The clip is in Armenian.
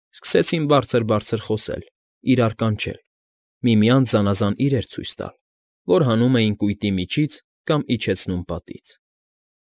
Սկսեցին բարձր֊բարձր խոսել, իրար կանչել, միմյանց զանազան իրեր ցույց տալ, որ հանում էին կույտի միջից կամ իջեցնում պատից։